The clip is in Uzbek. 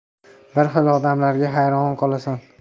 bir xil odamlarga hayron qolasan